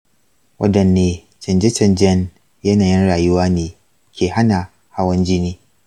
wadanne canje-canjen yanayin rayuwa ne ke hana hawan jini ?